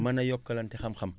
mën a yokkalante xam-xam